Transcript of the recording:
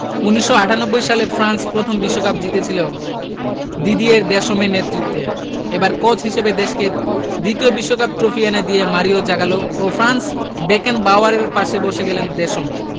১৯৯৮ সালে ফ্রান্স প্রথম বিশ্বকাপ জিতেছিল দিদিয়ের দেশমের নেতৃত্বে এবার কোচ হিসেবে দেশকে দ্বিতীয় বিশ্বকাপ ট্রফি এনে দিয়ে মারিও জাগালো ও ফ্রাঞ্জ বেকেনবাওয়ারের পাশে বসে গেলেন দেশম